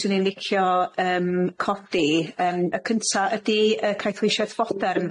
swn i'n licio yym codi yym y cynta' ydi yy caethweishaeth fodern